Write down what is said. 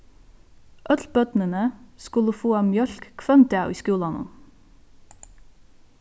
øll børnini skulu fáa mjólk hvønn dag í skúlanum